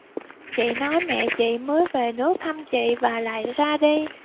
chị nói mẹ chị mới về nước thăm chị và lại ra đi